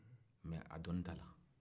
mais a dɔnnin t'a la